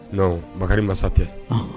Don makari masa tɛ